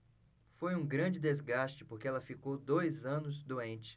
foi um grande desgaste porque ela ficou dois anos doente